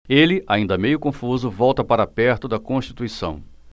ele ainda meio confuso volta para perto de constituição